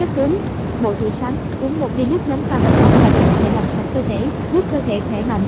cách mỗi buổi sáng uống một ly nước nóng pha mật ong và chanh sẽ làm sạch cơ thể giúp cơ thể khỏe mạnh